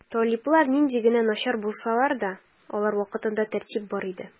Талиблар нинди генә начар булсалар да, алар вакытында тәртип бар иде.